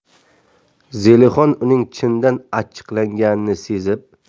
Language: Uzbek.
zelixon uning chindan achchiqlanganini sezib